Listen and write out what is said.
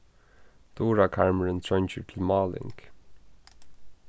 durakarmurin treingir til máling